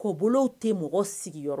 Ko bolo tɛ mɔgɔ sigiyɔrɔ